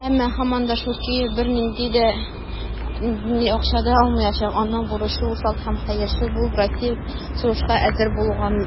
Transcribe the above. Әмма, һаман да шул, Киев бернинди акча да алмаячак - аның бурычы усал һәм хәерче булып, Россия белән сугышка әзер булырга.